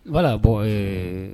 I b' bɔ